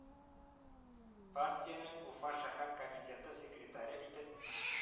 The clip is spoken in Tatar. Партиянең уфа шәһәр комитеты секретаре итеп